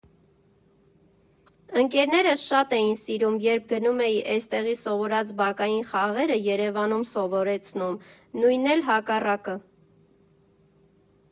Ընկերներս շատ էին սիրում, երբ գնում էի էստեղի սովորած բակային խաղերը Երևանում սովորեցնում, նույնն էլ հակառակը։